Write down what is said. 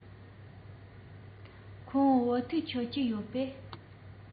ཁོང བོད ཐུག མཆོད ཀྱི རེད པས